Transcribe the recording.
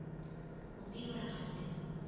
Ул бик арыган иде